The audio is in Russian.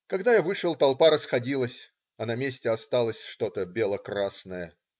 Когда я вышел, толпа расходилась, а на месте осталось что-то бело-красное.